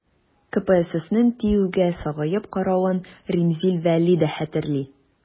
КПССның ТИҮгә сагаеп каравын Римзил Вәли дә хәтерли.